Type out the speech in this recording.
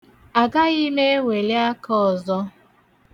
Agaghị m eweli aka ọzọ.